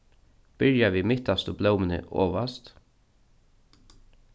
byrja við mittastu blómuni ovast